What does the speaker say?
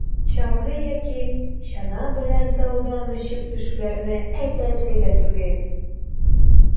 Чаңгы яки чана белән таудан очып төшүләрне әйтәсе дә түгел.